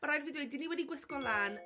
Mae rhaid i fi dweud, dan ni wedi gwisgo lan ...